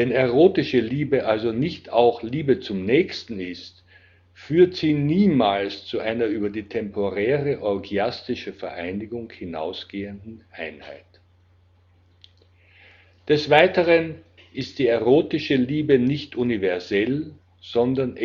erotische Liebe also nicht auch Liebe zum Nächsten ist, führe sie niemals zu einer über die temporäre orgiastische Vereinigung hinausgehenden Einheit. Des Weiteren ist die erotische Liebe nicht universell, sondern